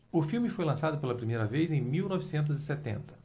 o filme foi lançado pela primeira vez em mil novecentos e setenta